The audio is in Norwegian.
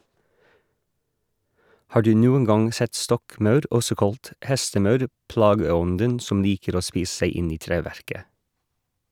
Har du noen gang sett stokkmaur, også kalt hestemaur, plageånden som liker å spise seg inn i treverket?